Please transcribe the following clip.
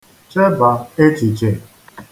chebà echìchè